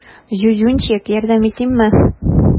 Зюзюнчик, ярдәм итимме?